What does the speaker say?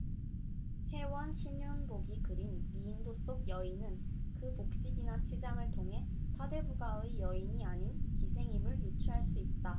혜원 신윤복이 그린 미인도 속 여인은 그 복식이나 치장을 통해 사대부가의 여인이 아닌 기생임을 유추할 수 있다